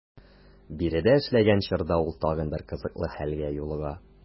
Биредә эшләгән чорда ул тагын бер кызыклы хәлгә юлыга.